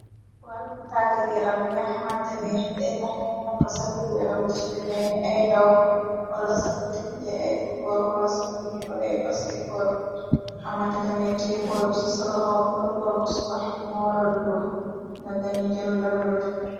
Wàllum tàggat yaram li nga xamante ni. Day tax ñay ñox sabir yaram gi ci demee ni ay daw wala saf di ple ay futbol. Wala saf liñi oy basket bor xamante dangay tiebool bi su saloxo boddu golko. Su tax binu wara dugu nga dani jëlu ndamwe.